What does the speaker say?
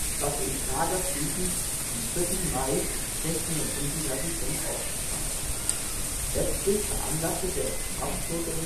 was im Prager Frieden vom 30. Mai 1635 seinen Ausdruck fand. Letztlich veranlasste der Habsburger